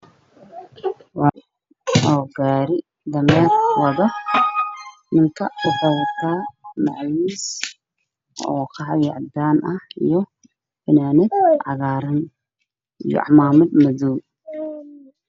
Halkaan waxaa ka muuqdo nin wato fanaanad cagaar ah iyo macamuus cadays iyo qaxwi cimaamad garabka ayuu ku haystaa background waxaa taalo kareeto